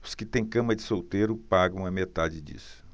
os que têm cama de solteiro pagam a metade disso